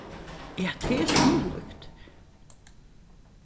ja tað er sannlíkt